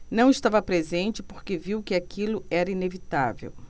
não estava presente porque viu que aquilo era inevitável